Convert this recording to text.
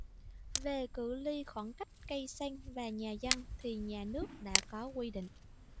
về cự ly khoảng cách cây xăng và nhà dân thì nhà nước đã có quy định